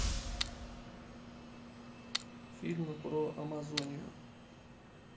фильмы про амазонию